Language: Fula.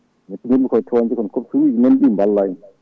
gonmi koye toñde kono coxeur uji men ɗi ballani